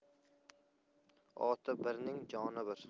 oti birning joni bir